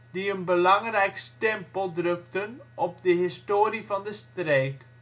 die een belangrijk stempel drukten op de historie van de streek